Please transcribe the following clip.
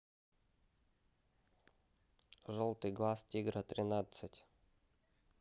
желтый глаз тигра тринадцать